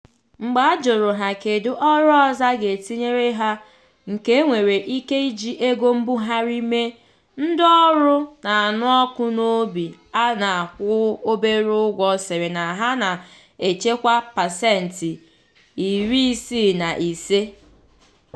Mgbe a jụrụ ha kedu ọrụ ọzọ a ga-etinyere ha nke enwere ike iji ego mbugharị mee, ndị ọrụ na-anụ ọkụ n'obi a na-akwụ obere ụgwọ sịrị na ha na-echekwa paseniti 65%.